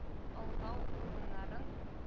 Алгау урыннарын